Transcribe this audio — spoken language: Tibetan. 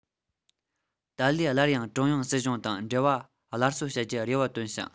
ཏཱ ལའི སླར ཡང ཀྲུང དབྱང སྲིད གཞུང དང འབྲེལ བ སླར གསོ བྱ རྒྱུའི རེ བ བཏོན ཞིང